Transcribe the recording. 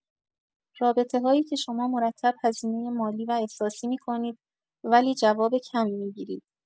رابطه‌هایی که شما مرتب هزینۀ مالی و احساسی می‌کنید ولی جواب کمی می‌گیرید.